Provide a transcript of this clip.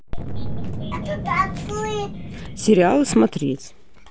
сериалы смотреть